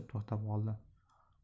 to'xtab qoldi